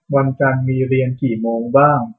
วันจันทร์มีเรียนกี่โมงบ้าง